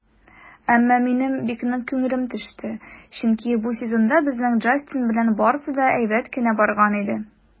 Әмма минем бик нык күңелем төште, чөнки бу сезонда безнең Джастин белән барысы да әйбәт кенә барган иде.